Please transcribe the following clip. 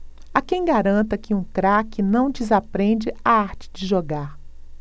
há quem garanta que um craque não desaprende a arte de jogar